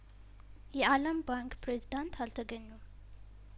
የአለም ባንክ ፕሬዝዳንት አልተገኙም